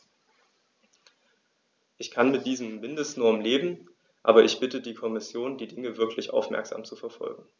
Ich kann mit diesen Mindestnormen leben, aber ich bitte die Kommission, die Dinge wirklich aufmerksam zu verfolgen.